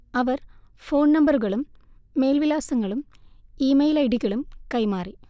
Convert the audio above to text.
അവർ ഫോൺനമ്പറുകളും മേൽവിലാസങ്ങളും ഇമെയിൽ ഐഡികളും കൈമാറി